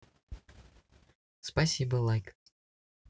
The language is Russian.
спасибо like